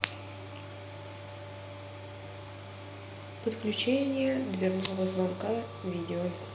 подключение дверного звонка видео